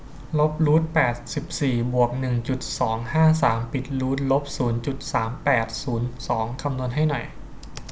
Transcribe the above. ลบรูทแปดสิบสี่บวกหนึ่งจุดสองห้าสามปิดรูทลบศูนย์จุดสามแปดศูนย์สองคำนวณให้หน่อย